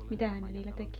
mitähän ne niillä teki